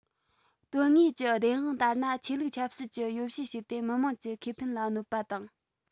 དོན དངོས ཀྱི བདེན དཔང ལྟར ན ཆོས ལུགས ཆབ སྲིད ཀྱི ཡོ བྱད བྱས ཏེ མི དམངས ཀྱི ཁེ ཕན ལ གནོད པ དང